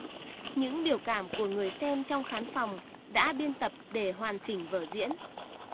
những biểu cảm của người xem trong khán phòng đã biên tập để hoàn chỉnh vở diễn